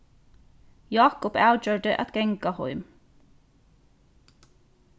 jákup avgjørdi at ganga heim